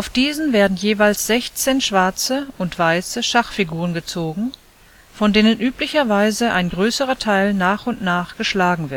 diesen werden jeweils sechzehn schwarze und weiße Schachfiguren gezogen, von denen üblicherweise ein größerer Teil nach und nach geschlagen